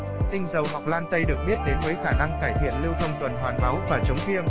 tinh dầu ngọc lan tây được biết đến với khả năng cải thiện lưu thông tuần hoàn máu và chống viêm